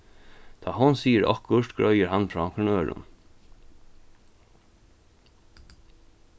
tá hon sigur okkurt greiðir hann frá onkrum øðrum